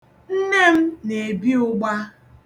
Nne m na-ebi ụgba.